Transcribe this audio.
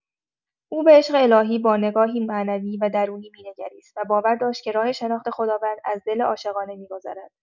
او به عشق الهی با نگاهی معنوی و درونی می‌نگریست و باور داشت که راه شناخت خداوند از دل عاشقانه می‌گذرد.